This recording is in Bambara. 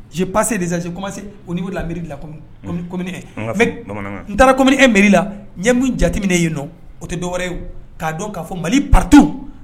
Ncie pase deze comanse n la miiriri la kɔmi efe n taara kɔmimmi e miiriri la ɲɛmu jateminɛ yen nɔ o tɛ dɔw wɛrɛ ye k'a dɔn k'a fɔ mali pato